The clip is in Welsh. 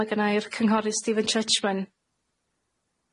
Ma' gynna i'r cynghorydd Stephen Churchman.